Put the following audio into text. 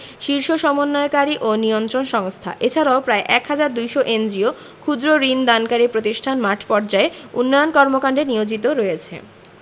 শীর্ষ সমন্বয়কারী ও নিয়ন্ত্রণ সংস্থা এছাড়াও প্রায় ১ হাজার ২০০ এনজিও ক্ষুদ্র্ ঋণ দানকারী প্রতিষ্ঠান মাঠপর্যায়ে উন্নয়ন কর্মকান্ডে নিয়োজিত রয়েছে